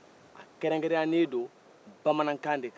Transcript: a kɛrɛnkɛrɛnyalen do bamanankan de kan